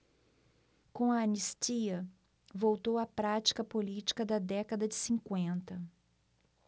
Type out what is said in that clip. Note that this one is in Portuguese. com a anistia voltou a prática política da década de cinquenta